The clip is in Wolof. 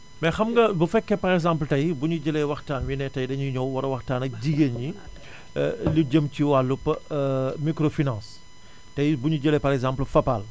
mais xam nga bu fekkee par exemple tey buñu jëlee waxtaan wi ne tey dañuy ñëw war a waxtaan ak jigéen ñi lu jëm ci wàllub microfinance tey buñu jëlee par exemple Fapal